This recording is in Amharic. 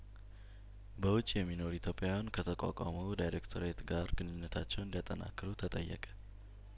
በውጭ የሚኖሩ ኢትዮጵያውያን ከተቋቋመመው ዳይሬክቶሬት ጋር ግንኙነታቸውን እንዲያጠናክሩ ተጠየቀ